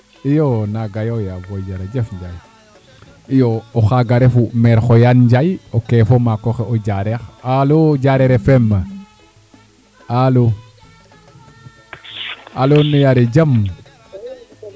iyo naaga yo yaay booy jerejef Ndiaye iyo oxaaga refu mere xoyaan Njaay o keefo maak oxe o Diareh alo Diareer FMm;fra alo alo nu yaare jam